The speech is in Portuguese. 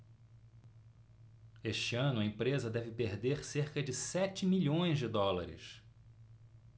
este ano a empresa deve perder cerca de sete milhões de dólares